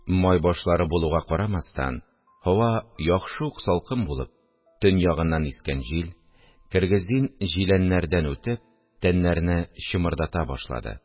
Май башлары булуга карамастан, һава яхшы ук салкын булып, төн ягыннан искән җил кергезин җиләннәрдән үтеп, тәннәрне чымырдата башлады